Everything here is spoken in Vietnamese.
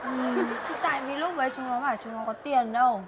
thì tại vì lúc đấy chúng nó bảo chúng nó có tiền đâu